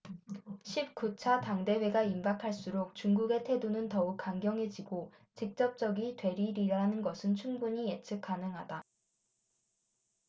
십 구 차 당 대회가 임박할수록 중국의 태도는 더욱 강경해지고 직접적이 되리리라는 것은 충분히 예측 가능하다